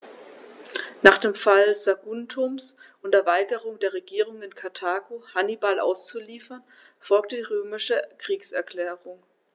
Nach dem Fall Saguntums und der Weigerung der Regierung in Karthago, Hannibal auszuliefern, folgte die römische Kriegserklärung.